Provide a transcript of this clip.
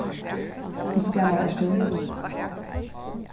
hvussu gamal ert tú